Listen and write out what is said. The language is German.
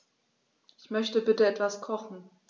Ich möchte bitte etwas kochen.